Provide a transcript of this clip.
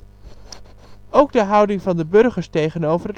de houding van de burgers tegenover